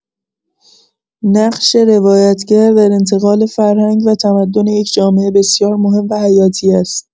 نقش روایت‌گر در انتقال فرهنگ و تمدن یک جامعه بسیار مهم و حیاتی است.